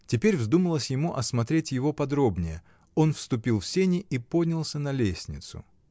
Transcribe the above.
Теперь вздумалось ему осмотреть его поподробнее, и он вступил в сени и поднялся на лестницу.